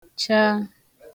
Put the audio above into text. cha